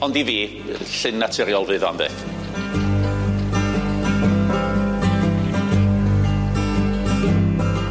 ond i fi yy llyn naturiol fydd o am byth?